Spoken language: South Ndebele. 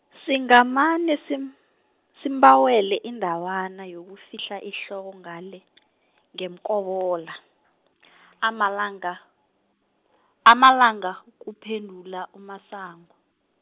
singamane sim-, simbawele indawana, yokufihla ihloko ngale, ngeMkobola, amalanga, amalanga, kuphendula, uMasango.